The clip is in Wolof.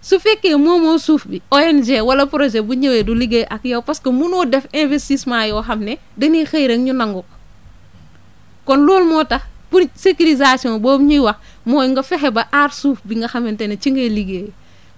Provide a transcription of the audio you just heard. su fekkee moomoo suuf bi ONG wala projet bu ñëwee du liggéey ak yow parce munoo def investissement yoo xam ne da ngay xëy rek ñu nangu ko kon loolu moo tax pour sécurisation boobu ñuy wax mooy nga fexe ba aar suuf bi nga xamante ne ci ngay liggéeyee